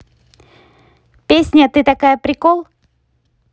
песня ты такая прикол